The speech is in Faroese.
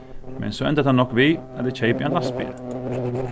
men so endar tað nokk við at eg keypi ein lastbil